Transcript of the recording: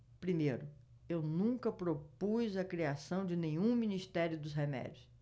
primeiro eu nunca propus a criação de nenhum ministério dos remédios